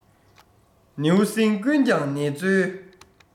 ནེའུ གསིང ཀུན ཀྱང ནེ ཙོའི